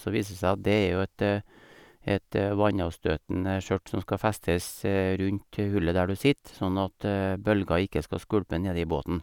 Så viser det seg at det er jo et et vannavstøtende skjørt som skal festes rundt hullet der du sitter sånn at bølger ikke skal skvulpe nedi båten.